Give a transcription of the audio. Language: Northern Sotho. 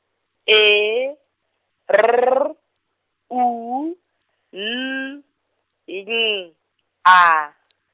E R U N A.